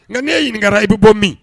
Nka n'i e ɲininka, i bɛ bɔ min?